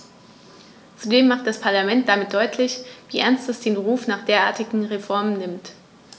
Zudem macht das Parlament damit deutlich, wie ernst es den Ruf nach derartigen Reformen nimmt.